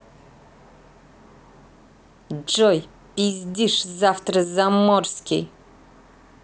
джой пиздишь завтра заморский